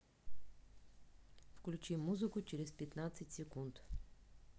выключить музыку через пятнадцать секунд